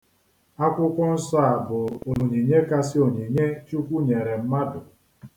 Akwụkwọ nsọ a bụ onyinye kasị onyinye Chukwu nyere mmadụ.